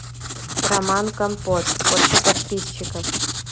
роман компот сколько подписчиков